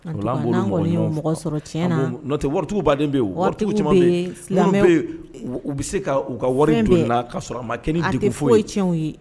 Tɛtigiwbaden bɛ yen wari u bɛ se ka ka wari ka sɔrɔ ma fɔ ye